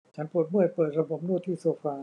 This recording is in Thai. ฉันปวดเมื่อยเปิดระบบนวดที่โซฟา